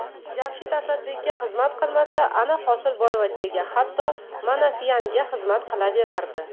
jamshid asadbekka xizmat qilmasa ana hosilboyvachchaga hatto manasyanga xizmat qilaverardi